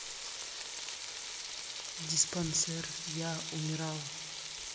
диспансер я умирал